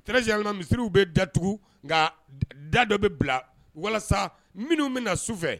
Tre z misisiririw bɛ datugu nka da dɔ bɛ bila walasa minnu bɛ na su fɛ